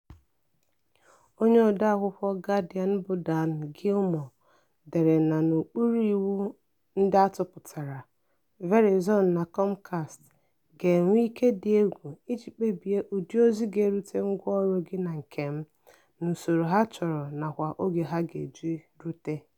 Onye odeakwụkwọ Guardian bụ Dan Gillmor dere na n'okpuru iwu ndị a tụpụtara, "Verizon na Comcast ga-enwe ike dị egwu iji kpebie ụdị ozi ga-erute ngwaọrụ gị na nke m, n'usoro ha chọrọ nakwa oge ha ga-eji rute."